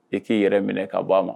E k'i yɛrɛ minɛ k' bɔ aa ma